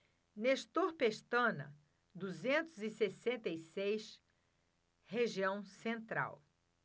nestor pestana duzentos e sessenta e seis região central